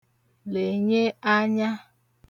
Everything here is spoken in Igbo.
lènye anya